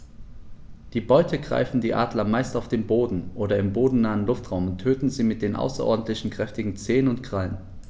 Die Beute greifen die Adler meist auf dem Boden oder im bodennahen Luftraum und töten sie mit den außerordentlich kräftigen Zehen und Krallen.